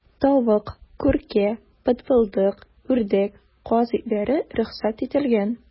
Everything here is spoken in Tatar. Тавык, күркә, бытбылдык, үрдәк, каз итләре рөхсәт ителгән.